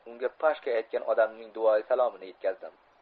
unga pashka aytgan odamning duoyi salomini yetkazdim